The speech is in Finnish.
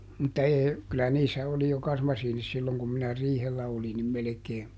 mutta ei kyllä niissä oli jo kasmasiinit silloin kun minä riihellä olin niin melkein